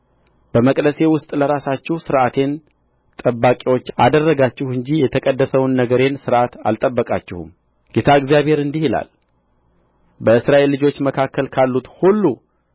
በመቅደሴ ውስጥ ለራሳችሁ ሥርዓቴን ጠባቂዎች አደረጋችሁ እንጂ የተቀደሰውን ነገሬን ሥርዓት አልጠበቃችሁም ጌታ እግዚአብሔር እንዲህ ይላል በእስራኤል ልጆች መካከል ካሉት ሁሉ